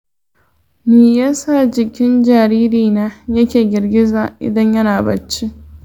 me ya sa jikin jaririna yake girgiza idan yana barci?